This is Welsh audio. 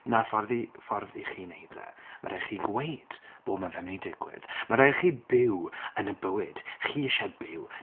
'Na'r ffordd i... ffordd i chi wneud e. Mae rhaid chi gweud, bod ma' fe'n mynd i digwydd. Mae'n rhaid i chi byw, yn y bywyd, chi isie byw.